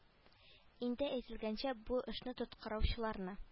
Инде әйтелгәнчә бу эшне тоткарлаучыларны